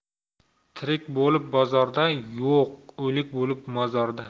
tirik bo'lib bozorda yo'q o'lik bo'lib mozorda